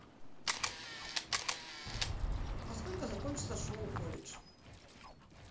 во сколько закончится шоу колледж